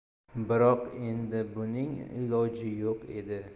biroq endi buning iloji yo'q edi